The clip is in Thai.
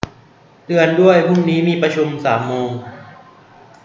เตือนด้วยพรุ่งนี้มีประชุมสามโมง